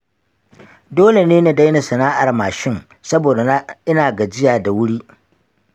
dole ne na daina sana'ar mashin saboda ina gajiya da wuri.